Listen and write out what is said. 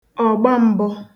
ọ̀gbam̄bọ̄